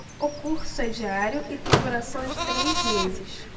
o curso é diário e tem duração de três meses